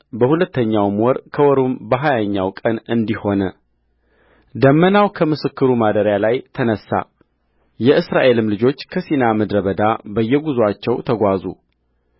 በሁለተኛው ወር ከወሩም በሀያኛው ቀን እንዲህ ሆነ ደመናው ከምስክሩ ማደሪያ ላይ ተነሣየእስራኤልም ልጆች ከሲና ምድረ በዳ በየጕዞአቸው ተጓዙ